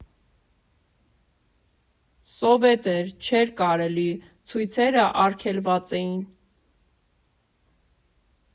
Սովետ էր, չէր կարելի, ցույցերը արգելված էին.